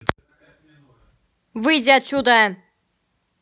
выйди от сюда